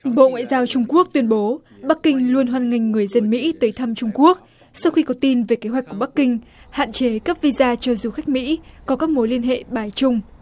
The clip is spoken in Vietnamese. bộ ngoại giao trung quốc tuyên bố bắc kinh luôn hoan nghênh người dân mỹ tới thăm trung quốc sau khi có tin về kế hoạch của bắc kinh hạn chế cấp vi da cho du khách mỹ có các mối liên hệ bài chung